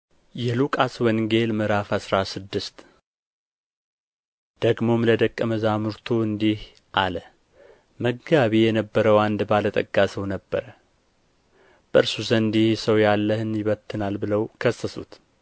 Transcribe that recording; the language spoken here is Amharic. የሉቃስ ወንጌል ምዕራፍ አስራ ስድስት ደግሞም ለደቀ መዛሙርቱ እንዲህ አለ መጋቢ የነበረው አንድ ባለ ጠጋ ሰው ነበረ በእርሱ ዘንድ ይህ ሰው ያለህን ይበትናል ብለው ከሰሱት